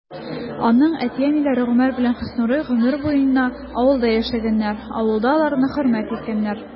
Аның әти-әниләре Гомәр белән Хөснурый гомер буена бергә яшәгәннәр, авылда аларны хөрмәт иткәннәр.